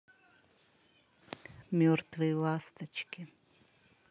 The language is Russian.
мертвые ласточки